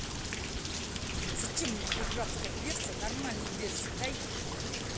зачем мне пиратская версия нормальную версию дай